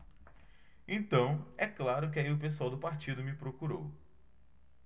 então é claro que aí o pessoal do partido me procurou